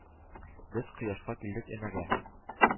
Без кояшка килдек өмәгә,